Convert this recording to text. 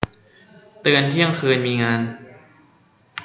เตือนเที่ยงคืนมีงาน